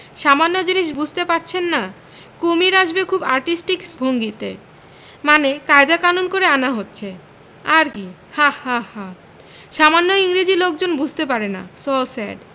সামান্য জিনিস বুঝতে পারছেন না কুমীর আসবে খুব আর্টিস্টিক্স ভঙ্গিতে মানে কায়দা কানুন করে আনা হচ্ছে আর কি হা হা হা সামান্য ইংরেজী লোকজন বুঝতে পারে না সো সেড